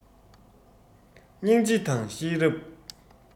སྙིང རྗེ དང ཤེས རབ